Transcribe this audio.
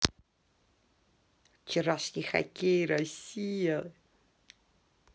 вчерашний хоккей россия